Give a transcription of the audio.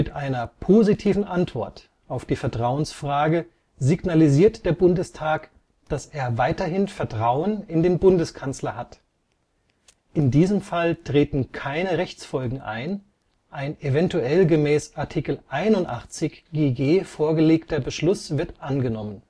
einer positiven Antwort auf die Vertrauensfrage signalisiert der Bundestag, dass er weiterhin Vertrauen in den Bundeskanzler hat. In diesem Fall treten keine Rechtsfolgen ein, ein eventuell gemäß Art. 81 GG vorgelegter Beschluss wird angenommen